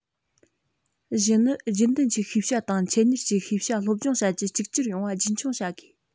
བཞི ནི རྒྱུན ལྡན གྱི ཤེས བྱ དང ཆེད གཉེར གྱི ཤེས བྱ སློབ སྦྱོང བྱ རྒྱུ གཅིག གྱུར ཡོང བ རྒྱུན འཁྱོངས བྱ དགོས